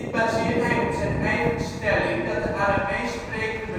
baseert hij op zijn eigen stelling dat de Aramees sprekende